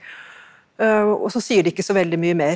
og så sier det ikke så veldig mye mer.